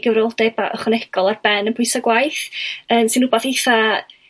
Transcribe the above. gyfrifoldeba' ychwanegol ar ben y pwysa' gwaith y sy'n rwbath eitha'